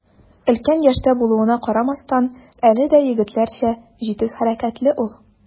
Өлкән яшьтә булуына карамастан, әле дә егетләрчә җитез хәрәкәтле ул.